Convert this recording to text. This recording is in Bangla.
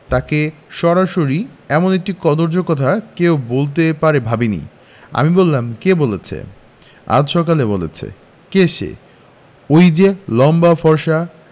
তাকে সরাসরি এমন একটি কদৰ্য কথা কেউ বলতে পারে ভাবিনি আমি বললাম কে বলেছে আজ সকালে বলেছে কে সে ঐ যে লম্বা ফর্সা